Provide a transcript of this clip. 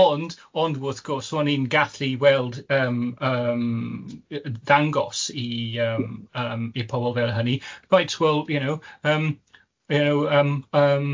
Ond ond wrth gwrs o ni'n gallu weld yym yym ddangos i yym yym i pobl fel hynny, right well you know yym you know yym yym